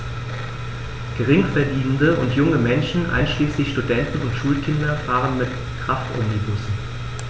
Geringverdienende und junge Menschen, einschließlich Studenten und Schulkinder, fahren mit Kraftomnibussen.